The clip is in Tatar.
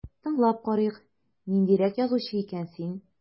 Тыңлап карыйк, ниндирәк язучы икән син...